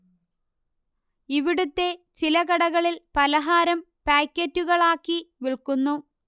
ഇവിടുത്തെ ചില കടകളിൽ പലഹാരം പായ്ക്കറ്റുകളാക്കി വിൽക്കുന്നു